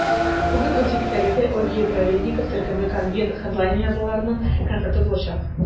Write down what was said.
Бүген 18 сәгатьтә "Оргии праведников" төркеме - конвент хедлайнерларының концерты булачак.